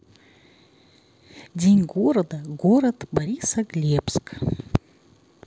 день города город борисоглебск